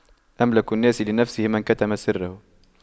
أملك الناس لنفسه من كتم سره